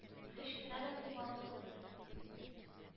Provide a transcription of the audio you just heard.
Ич кенә дә тыймалы түгел.